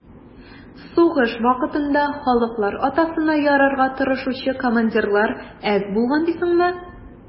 Сугыш вакытында «халыклар атасына» ярарга тырышучы командирлар әз булган дисеңме?